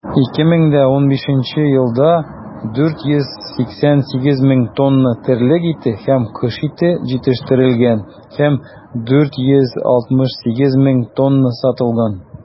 2015 елда 488 мең тонна терлек ите һәм кош ите җитештерелгән һәм 468 мең тонна сатылган.